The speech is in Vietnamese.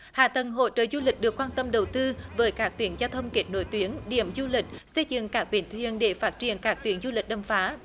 hạ tầng hỗ trợ du lịch được quan tâm đầu tư với các tuyến giao thông kết nối tuyến điểm du lịch xây dựng các bến thuyền để phát triển các tuyến du lịch đầm phá